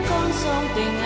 mình